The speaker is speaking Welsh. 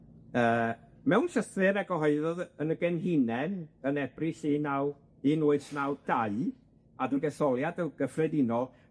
Yy mewn llythyr a gyhoeddodd yn y Genhinen yn Ebrill un naw un wyth naw dau, adag etholiad yl- gyffredinol,